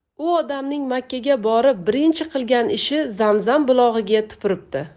u odamning makkaga borib birinchi qilgan ishi zamzam bulog'iga tupuribdi